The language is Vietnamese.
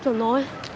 chuẩn rồi